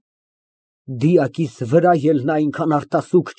ՄԱՐԳԱՐԻՏ ֊ (Գլուխը բարձրացնելով) Իսկ եթե նա զրպարտիչ չէ, այն ժամանա՞կ։